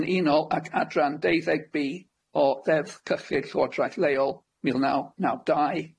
yn unol ag adran deuddeg Bee o Ddeddf Cyllid Llywodraeth Leol mil naw naw dau.